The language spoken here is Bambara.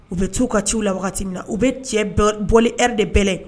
U bɛ tu u ka ci u la wagati min na u bɛ cɛ bɔli de bɛɛlɛ